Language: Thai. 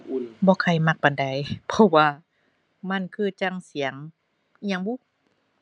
บ่ค่อยมักปานใด เพราะว่ามันคือจั่งเสียงอิหยังบุ